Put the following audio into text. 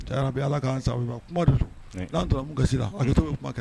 Ala sa kuma toramu ka hakɛke bɛ kuma